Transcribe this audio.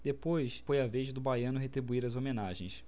depois foi a vez do baiano retribuir as homenagens